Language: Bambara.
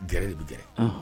Gɛrɛ gɛrɛ